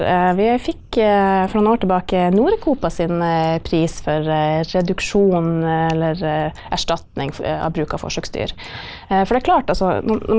vi fikk for noen år tilbake Norecopa sin pris for reduksjon eller erstatning av bruk av forsøksdyr for det er klart altså når når.